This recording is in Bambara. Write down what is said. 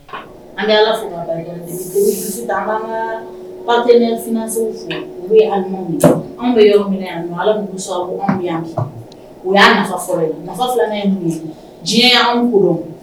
An ala ka fat anw bɛ ala diɲɛ b' dɔn